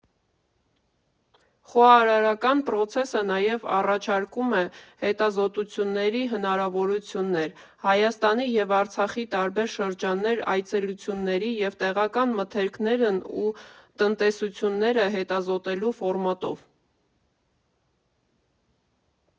Խոհարարական պրոցեսը նաև առաջարկում է հետազոտությունների հնարավորություններ՝ Հայաստանի և Արցախի տարբեր շրջաններ այցելությունների ու տեղական մթերքներն ու տնտեսությունները հետազոտելու ֆորմատով։